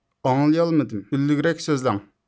ئاڭلىيالمىدىم ئۈنلۈكرەك سۆزلەڭ